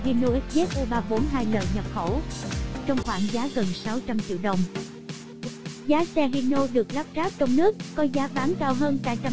còn hino xzu l nhập khẩu trong khoảng giá gần triệu đồng giá xe hino được lắp ráp trong nước có giá bán cao hơn cả trăm triệu đồng